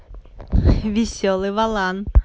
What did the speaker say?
веселый волан